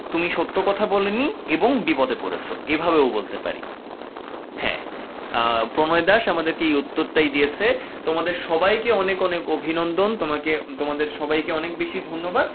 তুমি সত্য কথা বলোনি এবং বিপদে পড়েছ এভাবেও বলতে পারি হ্যাঁ প্রণয় দাস আমাদেরকে এই উত্তরটাই দিয়েছে তোমাদের সবাইকে অনেক অনেক অভিনন্দন তোমাকে তোমাদের সবাইকে অনেক বেশি ধন্যবাদ